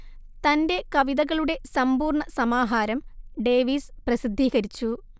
തന്റെ കവിതകളുടെ സമ്പൂർണ സമാഹാരം ഡേവീസ് പ്രസിദ്ധീകരിച്ചു